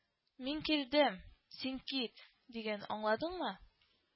«мин килдем, син кит!» — диген, аңладыңмы